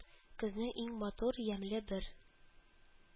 Көзнең иң матур, ямьле бер